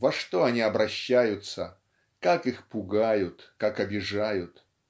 Во что они обращаются, как их пугают, как обижают!